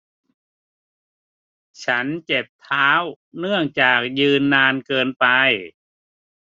ฉันเจ็บเท้าเนื่องจากยืนนานเกินไป